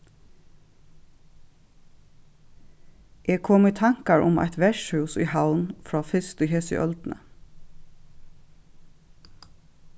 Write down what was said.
eg kom í tankar um eitt vertshús í havn frá fyrst í hesi øldini